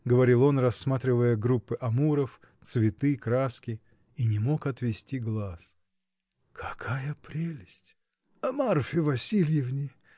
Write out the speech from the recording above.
— говорил он, рассматривая группы амуров, цветы, краски, — и не мог отвести глаз. — Какая прелесть! — Марфе Васильевне!